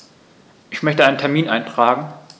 Ich möchte einen Termin eintragen.